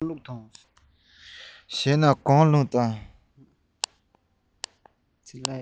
བྱས ན གང བླགས དང